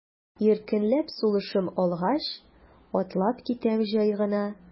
Иркенләп сулышым алгач, атлап китәм җай гына.